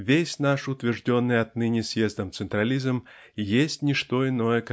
весь наш утвержденный отныне съездом централизм есть не что иное